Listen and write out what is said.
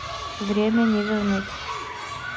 время не вернуть